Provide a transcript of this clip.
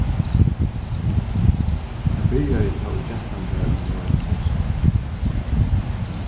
tað byrjaði tá ið gentan var umleið seks ár